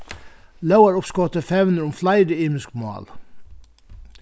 lógaruppskotið fevnir um fleiri ymisk mál